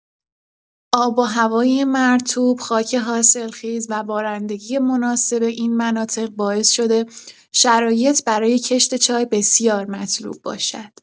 آب‌وهوای مرطوب، خاک حاصلخیز و بارندگی مناسب این مناطق باعث شده شرایط برای کشت چای بسیار مطلوب باشد.